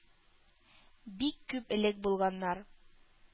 Бик күп элек булганнар.